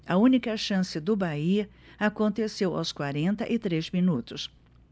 a única chance do bahia aconteceu aos quarenta e três minutos